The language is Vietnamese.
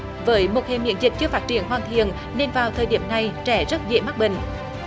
với một hệ miễn dịch chưa phát triển hoàn thiện nên vào thời điểm này trẻ rất dễ mắc bệnh